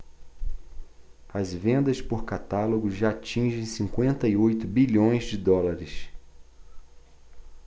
as vendas por catálogo já atingem cinquenta e oito bilhões de dólares